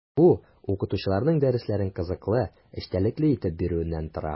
Бу – укытучыларның дәресләрен кызыклы, эчтәлекле итеп бирүеннән тора.